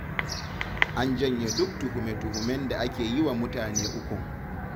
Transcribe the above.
An janye duk tuhume-tuhumen da ake yi wa mutane ukun.